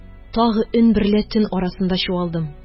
Тагы өн берлә төн арасында чуалдым